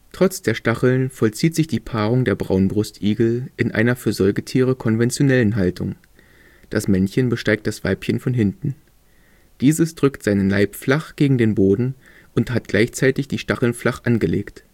Trotz der Stacheln vollzieht sich die Paarung der Braunbrustigel in einer für Säugetiere konventionellen Haltung. Das Männchen besteigt das Weibchen von hinten. Dieses drückt seinen Leib flach gegen den Boden und hat gleichzeitig die Stacheln flach angelegt